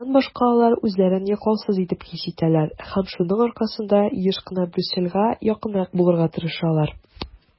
Шуннан башка алар үзләрен яклаусыз итеп хис итәләр һәм шуның аркасында еш кына Брюссельгә якынрак булырга тырышалар.